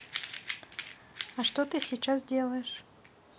а что ты сейчас делаешь